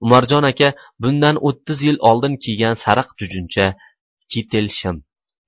umarjon aka bundan o'ttiz yil oldin kiygan sariq jujuncha kitel shim